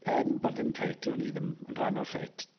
Yym wel, ddim fight, o'n i ddim yn rhan o'r fight.